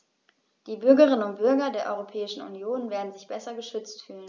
Die Bürgerinnen und Bürger der Europäischen Union werden sich besser geschützt fühlen.